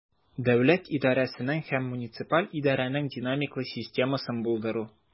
Дәүләт идарәсенең һәм муниципаль идарәнең динамикалы системасын булдыру.